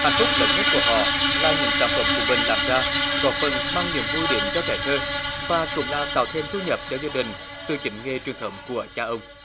hạnh phúc lớn nhất của họ là những sản phẩm của mình làm ra góp phần mang niềm vui đến cho trẻ thơ và cũng là tạo thêm thu nhập cho gia đình từ chính nghề truyền thống của cha ông